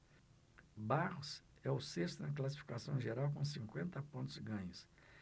barros é o sexto na classificação geral com cinquenta pontos ganhos